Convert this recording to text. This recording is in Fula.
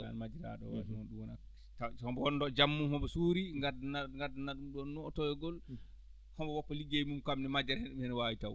aan majjiraaɗo o hono ɗum wayata taw sobo wonno jam muɗum hobo suuri ngaddanaa ɗum ngaddanaa ɗum ɗon nootoyogol tan woppa liggey mum kam ane majjere hene waawi